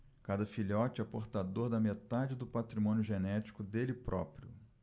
cada filhote é portador da metade do patrimônio genético dele próprio